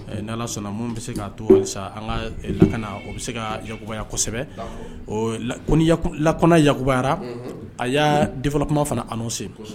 Ni ala sɔnna minnu bɛ se k'a to an ka lakana o bɛ se ka yago kosɛbɛ ko lak yakuyara a y'a denfɔ kuma fana n'o sen